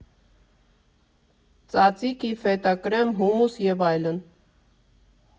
Ձաձիկի, ֆետա կրեմ, հումուս և այլն։